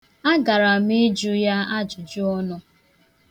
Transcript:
A gara m ịjụ ya ajụjụ ọnụ.